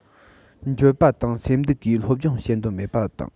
འགྱོད པ དང སེམས སྡུག གིས སློབ སྦྱོང བྱེད འདོད མེད པ དང